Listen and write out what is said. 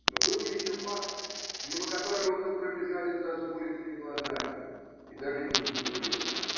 Но был еще факт, мимо которого мы пробежали с зажмуренными гла зами и даже не мимо него.